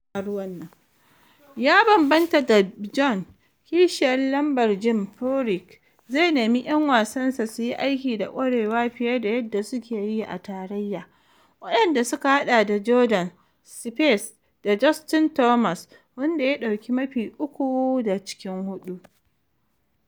Ya bambanta da Bjorn, kishiyar lambar Jim Furyk zai nemi 'yan wasansa suyi aiki da kwarewa fiye da yadda suke yi a tarayya, waɗanda suka hada da Jordan Spieth da Justin Thomas, wanda ya dauki maki uku daga cikin hudu.